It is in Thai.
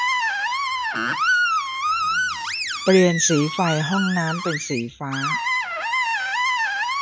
เปลี่ยนสีไฟห้องน้ำเป็นสีฟ้า